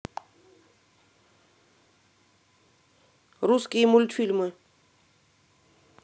русские мультфильмы